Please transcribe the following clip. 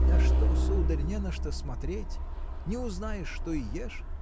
– Да что, сударь, не на что смотреть! Не узнаешь, что и ешь